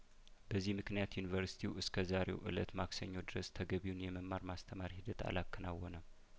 በዚህ ምክንያት ዩኒቨርስቲው እስከዛሬው እለት ማክሰኞ ድረስ ተገቢውን የመማር ማስተማር ሂደት አላከናወነም